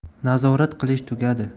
nazorat qilish tugadi